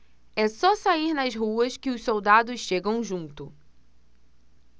é só sair nas ruas que os soldados chegam junto